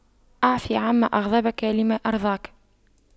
اعف عما أغضبك لما أرضاك